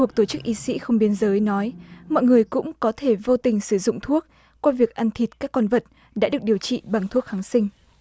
thuộc tổ chức y sĩ không biên giới nói mọi người cũng có thể vô tình sử dụng thuốc qua việc ăn thịt các con vật đã được điều trị bằng thuốc kháng sinh